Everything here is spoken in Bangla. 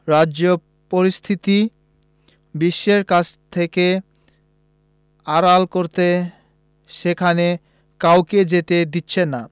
পরিস্থিতি বিশ্বের কাছ থেকে আড়াল করতে সেখানে কাউকে যেতে দিচ্ছে না